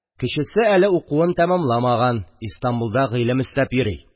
Кечесе әле укуын тамамламаган, Истанбулда гыйлем эстәп йөри.